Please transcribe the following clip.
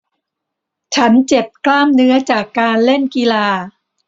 ฉันเจ็บกล้ามเนื้อจากการเล่นกีฬา